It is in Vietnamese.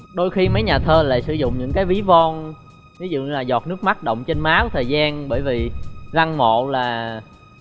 đôi khi mấy nhà thơ lại sử dụng những cái ví von ví dụ như là giọt nước mắt đọng trên má của thời gian bởi vì lăng mộ là